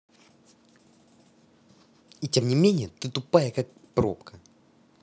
и тем не менее ты тупая как пробка